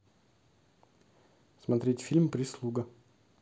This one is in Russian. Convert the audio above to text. смотреть фильм прислуга